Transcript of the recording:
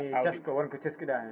tesko wonko teskiɗa hen